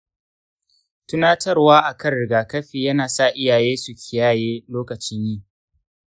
tunatarwa a kan rigakafi yana sa iyaye su kiyaye lokutan yi.